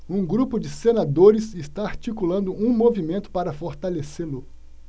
um grupo de senadores está articulando um movimento para fortalecê-lo